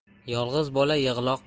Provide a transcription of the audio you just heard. yolg'iz bola yig'loq